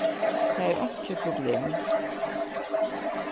tað er einki problem